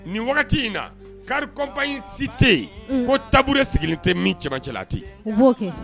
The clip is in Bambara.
Nin wagati in na Car compagnie si te yen ko tabouret sigilen tɛ min cɛman cɛla. A te yen. U bo kɛ.